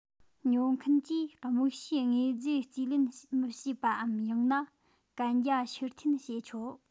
ཉོ མཁན གྱིས དམིགས བྱའི དངོས རྫས རྩིས ལེན མི བྱེད པའམ ཡང ན གན རྒྱ ཕྱིར འཐེན བྱས ཆོག